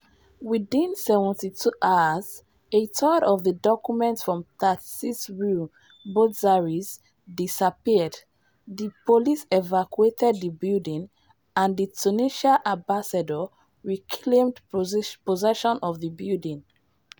Within 72 hours, a third of the documents from 36 rue Botzaris disappeared, the police evacuated the building and the (Tunisian) ambassador reclaimed possession of the building.